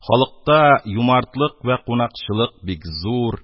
Халыкта юмартлык вә кунакчылык бик зур,